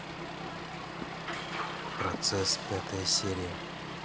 процесс пятая серия